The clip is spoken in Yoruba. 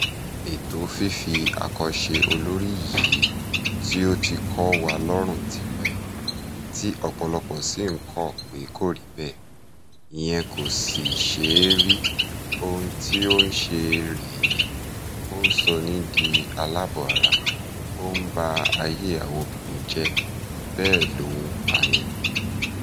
Ètò fífi akọ ṣe olórí yìí tí ó ti kọ́ wa lọ́rùn tipẹ́ tí ọ̀pọ̀lọpọ̀ sì ń kọ̀ pé kò rí bẹ́ẹ̀ – ìyẹn kò sì ṣe é rí – ohun tí ó ń ṣe rè é: ó ń sọni di aláàbọ̀-ara, ó ń ba ayé àwọn obìnrin jẹ́, bẹ́ẹ̀ ló ń pani.